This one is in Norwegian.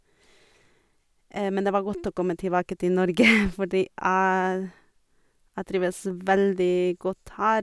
Men det var godt å komme tilbake til Norge, fordi jeg jeg trives veldig godt her.